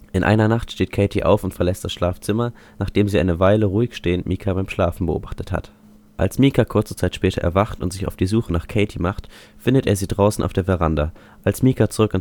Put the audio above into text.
In einer Nacht steht Katie auf und verlässt das Schlafzimmer, nachdem sie eine Weile ruhig stehend Micah beim Schlafen beobachtet hat. Als Micah kurze Zeit später erwacht und sich auf die Suche nach Katie macht, findet er sie draußen auf der Veranda. Als Micah zurück